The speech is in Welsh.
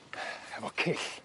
efo cyll